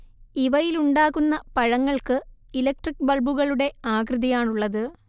ഇവയിലുണ്ടാകുന്ന പഴങ്ങൾക്ക് ഇലക്ട്രിക് ബൾബുകളുടെ ആകൃതിയാണുള്ളത്